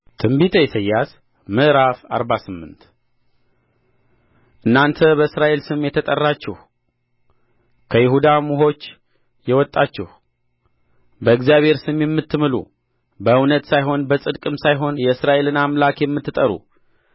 ትንቢተ ኢሳይያስ ምዕራፍ አርባ ስምንት እናንተ በእስራኤል ስም የተጠራችሁ ከይሁዳም ውኆች የወጣችሁ በእግዚአብሔር ስም የምትምሉ በእውነት ሳይሆን በጽድቅም ሳይሆን የእስራኤልን አምላክ የምትጠሩ